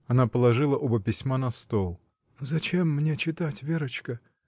Она положила оба письма на стол. — Зачем мне читать, Верочка?